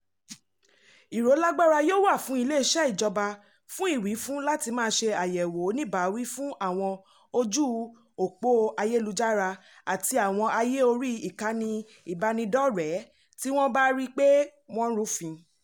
Ìrólágbára yóò wà fún Ilé-iṣẹ́ ìjọba fún Ìwífún láti máa ṣe àyẹ̀wò oníbàáwí fún àwọn ojú òpó ayélujára àti àwọn àyè orí ìkànnì ìbánidọ́rẹ̀ẹ́ tí wọ́n bá ríi pé wọ́n rúfin.